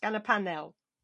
gan y panel?